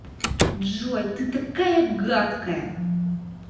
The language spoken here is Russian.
джой ты такая гадкая